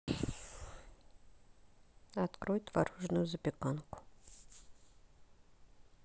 открой творожную запеканку